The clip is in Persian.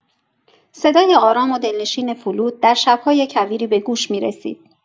صدای آرام و دلنشین فلوت در شب‌های کویری به گوش می‌رسید.